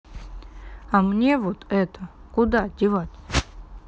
а мне вот это куда девать